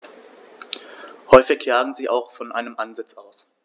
Häufig jagen sie auch von einem Ansitz aus.